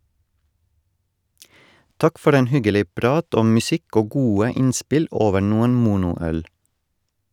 Takk for en hyggelig prat om musikk og gode innspill over noen Monoøl.